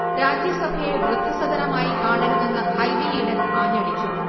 രാജ്യസഭയെ വൃദ്ധസദനമായി കാണരുതെന്ന് ഹൈബി ഈഡൻ ആഞ്ഞടിച്ചു